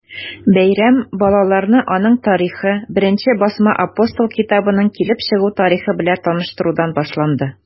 Бәйрәм балаларны аның тарихы, беренче басма “Апостол” китабының килеп чыгу тарихы белән таныштырудан башланды.